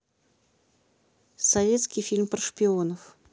советский фильм про шпионов